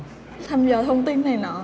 thăm dò thông tin này nọ